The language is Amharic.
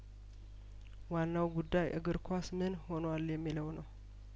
ዋናው ጉዳይእግር ኳስምን ሆኗል የሚለው ነው